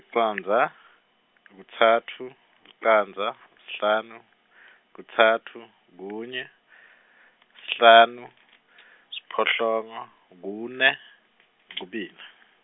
licandza, kutsatfu, licandza, sihlanu , kutsatfu, kunye, sihlanu, siphohlongo, kune , kubili.